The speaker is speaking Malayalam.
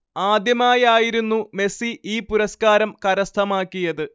ആദ്യമായായിരുന്നു മെസ്സി ഈ പുരസ്കാരം കരസ്ഥമാക്കിയത്